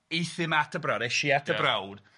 euthum at y brawd, es i at y brawd... Ia